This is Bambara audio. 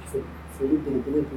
Fo foli belebele b